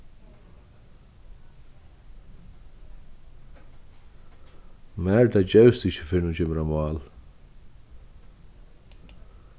marita gevst ikki fyrr enn hon kemur á mál